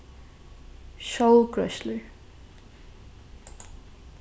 sjálvgreiðslur